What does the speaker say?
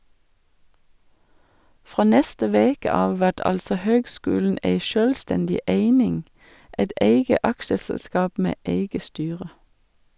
Frå neste veke av vert altså høgskulen ei sjølvstendig eining, eit eige aksjeselskap med eige styre.